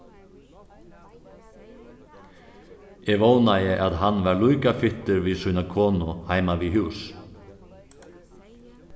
eg vónaði at hann var líka fittur við sína konu heima við hús